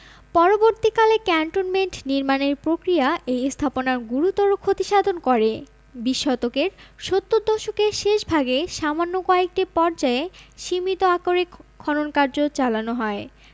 পরবর্তীকালে ক্যান্টনমেন্ট নির্মাণের প্রক্রিয়া এই স্থাপনার গুরুতর ক্ষতিসাধন করে বিশ শতকের সত্তর দশকের শেষভাগে সামান্য কয়েকটি পর্যায়ে সীমিত আকারে খনন কার্য চালানো হয়